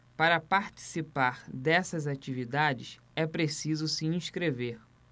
para participar dessas atividades é preciso se inscrever